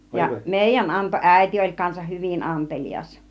ja meidän antoi äiti oli kanssa hyvin antelias